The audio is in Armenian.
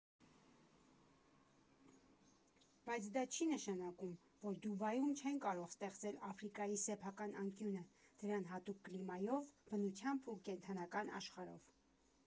Բայց դա չի նշանակում, որ Դուբայում չեն կարող ստեղծել Աֆրիկայի սեփական անկյունը՝ դրան հատուկ կլիմայով, բնությամբ ու կենդանական աշխարհով։